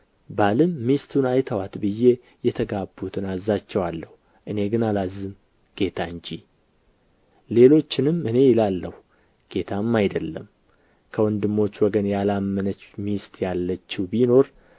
ባልም ሚስቱን አይተዋት ብዬ የተጋቡትን አዛቸዋለሁ እኔ ግን አላዝም ጌታ እንጂ ሌሎችንም እኔ እላለሁ ጌታም አይደለም ከወንድሞች ወገን ያላመነች ሚስት ያለችው ቢኖር